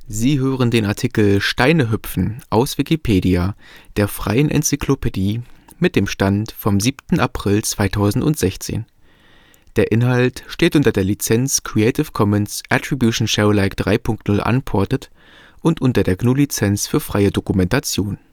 Sie hören den Artikel Steinehüpfen, aus Wikipedia, der freien Enzyklopädie. Mit dem Stand vom Der Inhalt steht unter der Lizenz Creative Commons Attribution Share Alike 3 Punkt 0 Unported und unter der GNU Lizenz für freie Dokumentation